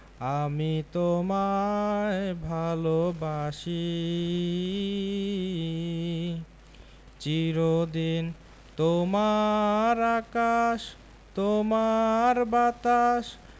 আমি তোমায় ভালোবাসি চির দিন তোমার আকাশ তোমার বাতাস